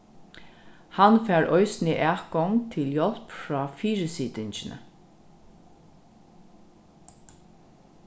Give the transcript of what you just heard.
hann fær eisini atgongd til hjálp frá fyrisitingini